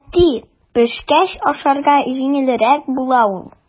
Әти, пешкәч ашарга җиңелрәк була ул.